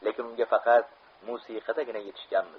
lekin unga faqat musiqadagina yetishganmiz